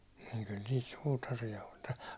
- kyllä niitä suutareita oli -